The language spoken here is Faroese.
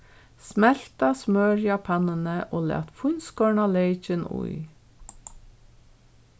smelta smørið á pannuni og lat fíntskorna leykin í